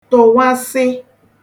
tụ̀wasị